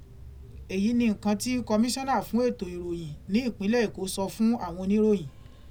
Èyí ni nǹkan ti kọmísánnà fún ètò ìròyìn ní ìpínlẹ̀ Èkó sọ fun àwọn oníròyìn.